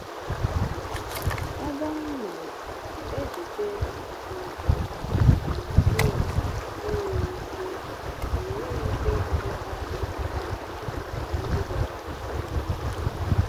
Ebe m nọ, ejije, maọbụ nkà n'uju ya, enweghị isi ma i nweghị ike ikparita nkata gị na ndị bịara ile ya.